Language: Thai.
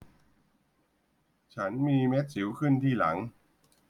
ฉันมีเม็ดสิวขึ้นที่หลัง